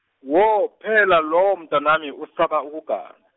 wo, phela lowo mntanami usaba ukugana.